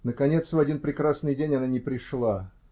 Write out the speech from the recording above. Наконец, в один прекрасный день она не пришла.